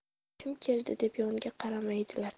kim keldi deb yonga qaramaydilar